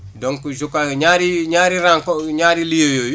donc je crois ñaari ñaari renco ñaari lieux yooyu